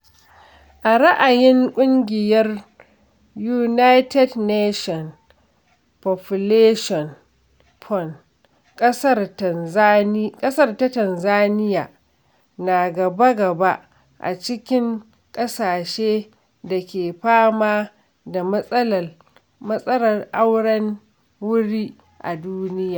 A ra'ayin ƙungiyar United Nations Population Fund, ƙasar ta Tanzaniya na gaba-gaba a cikin ƙasashe da ke fama da matsalar auren wuri a duniya.